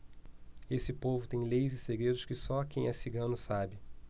esse povo tem leis e segredos que só quem é cigano sabe